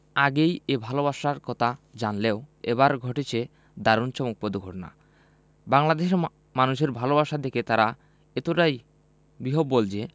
আগেই এই ভালোবাসার কথা জানলেও এবার ঘটেছে দারুণ চমকপ্রদ ঘটনা বাংলাদেশের মানুষের ভালোবাসা দেখে তারা এতটাই বিহ্বল যে